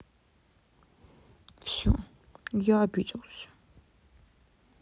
все я обиделся